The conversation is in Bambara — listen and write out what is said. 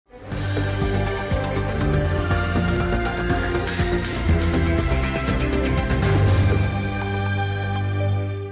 Wa